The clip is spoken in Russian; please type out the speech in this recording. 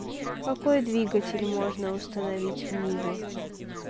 какой двигатель можно установить в ниву